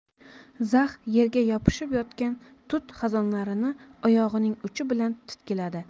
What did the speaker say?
zax yerga yopishib yotgan tut xazonlarini oyog'ining uchi bilan titkiladi